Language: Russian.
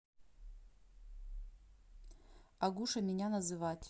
агуша меня называть